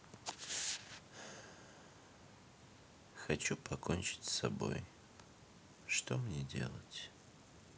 хочу покончить с собой что мне делать